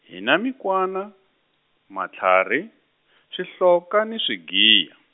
hi na mikwana, matlharhi, swihloka ni swigiya.